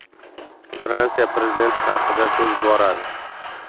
fransiya prezidenti haqida so'z boradi